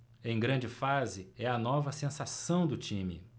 em grande fase é a nova sensação do time